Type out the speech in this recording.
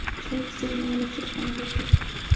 choy desang mayli choyxonaga o'taylik